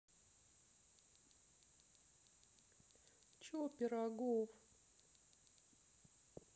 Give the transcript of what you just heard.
чо пирогов